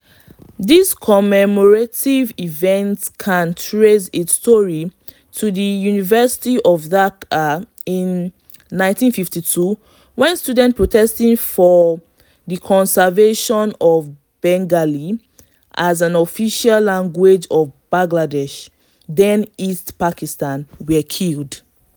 This commemorative event can can trace its story to the University of Dhaka in 1952 when students protesting for the conservation of Bengali as an official language of Bangladesh (then East Pakistan) were killed.